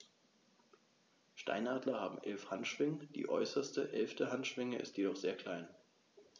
Steinadler haben 11 Handschwingen, die äußerste (11.) Handschwinge ist jedoch sehr klein.